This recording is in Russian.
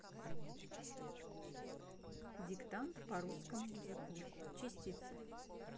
диктант по русскому языку частицы